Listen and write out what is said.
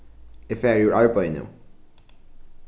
eg fari úr arbeiði nú